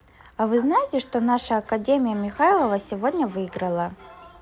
а вы знаете что наша академия михайлова сегодня выиграла